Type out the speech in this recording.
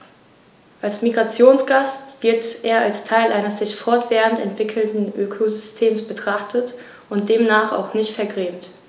Als Migrationsgast wird er als Teil eines sich fortwährend entwickelnden Ökosystems betrachtet und demnach auch nicht vergrämt.